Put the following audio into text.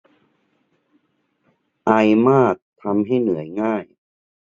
ไอมากทำให้เหนื่อยง่าย